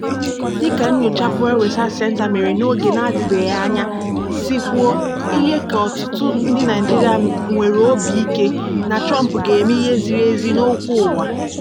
Dị ka nnyocha Pew Research Center mere n'oge na-adibeghị anya a si kwuo, ihe ka ọtụtụ ndị Naịjirịa "nwere obi ike" na Trump "ga-eme ihe ziri ezi n'okwu ụwa".